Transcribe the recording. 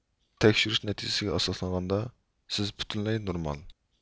تەكشۈرۈش نەتىجىسىگە ئاساسلانغاندا سىز پۈتۈنلەي نورمال